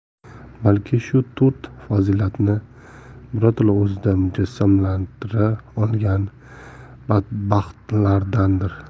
balki shu to'rt fazilatni birato'la o'zida mujassamlantira olgan badbaxtlardandir